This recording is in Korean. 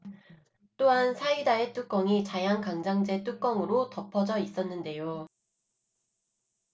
또한 사이다의 뚜껑이 자양강장제 뚜껑으로 덮어져 있었는데요